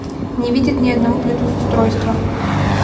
не видит ни одного блютуз устройства